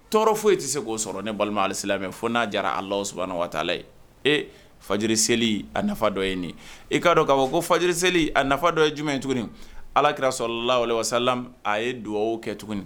Tɔɔrɔ foyi tɛ se k'o sɔrɔ ne balima alisilamɛw fo n'a jara Allahou Soubhana wa ta Ala ee fajiri seli a nafa dɔ ye nin. E k'a dɔn k'a fɔ ko fajiri seli a nafa dɔ ye jumɛn ye tuguni? Alakira sɔla lahu aleyi wa salamu a ye dugawu kɛ tuguni